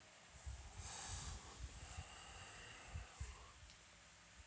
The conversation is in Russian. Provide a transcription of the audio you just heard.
ствовал